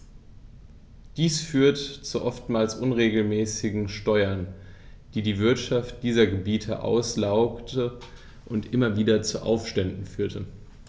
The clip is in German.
Dies führte zu oftmals unmäßigen Steuern, die die Wirtschaft dieser Gebiete auslaugte und immer wieder zu Aufständen führte.